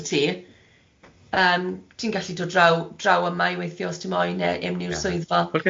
ti yym ti'n gallu dod draw- draw yma i weithio os ti moyn neu ewn ni i'r swyddfa